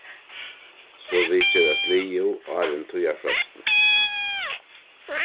so vit gerast liðug áðrenn tíðarfreistina